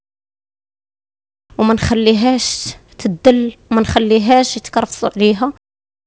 ومن خليها ايش تدري من خليها شيء